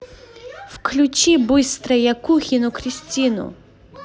включи быстро якухину кристину